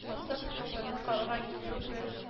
Асып күперне карарга килүе бер